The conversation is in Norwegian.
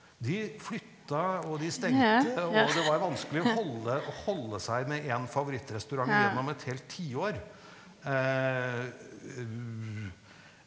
de flytta og de stengte og det var vanskelig å holde og holde seg med en favorittrestaurant gjennom et helt tiår .